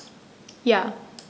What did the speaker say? Ja.